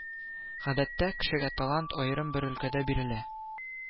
Гадәттә, кешегә талант аерым бер өлкәдә бирелә